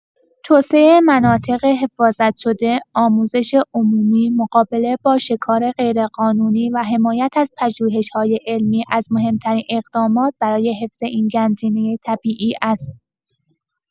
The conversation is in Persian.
توسعه مناطق حفاظت‌شده، آموزش عمومی، مقابله با شکار غیرقانونی و حمایت از پژوهش‌‌های علمی، از مهم‌ترین اقدامات برای حفظ این گنجینه طبیعی است.